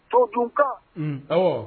To tun ka